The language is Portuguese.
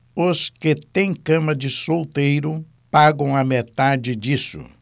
os que têm cama de solteiro pagam a metade disso